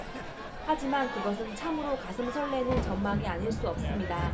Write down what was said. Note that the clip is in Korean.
하지만 그것은 참으로 가슴 설레는 전망이 아닐 수 없습니다